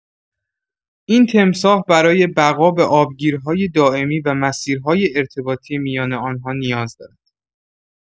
این تمساح برای بقا به آبگیرهای دائمی و مسیرهای ارتباطی میان آن‌ها نیاز دارد.